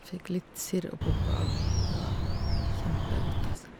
Fikk litt sirup oppå, og det var kjempegodt, altså.